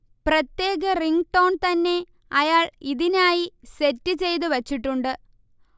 പ്രത്യേക റിങ്ങ്ടോൺ തന്നെ അയാൾ ഇതിനായി സെറ്റ്ചെയ്ത് വച്ചിട്ടുണ്ട്